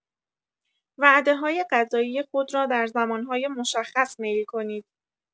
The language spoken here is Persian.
وعده‌های غذایی خود را در زمان‌های مشخص میل کنید.